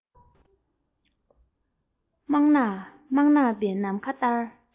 སྨག ནག པའི ནམ མཁར བལྟས